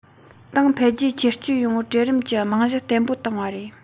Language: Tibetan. ཏང འཕེལ རྒྱས ཆེར སྐྱེད ཡོང བར གྲལ རིམ གྱི རྨང གཞི བརྟན པོ བཏིང བ རེད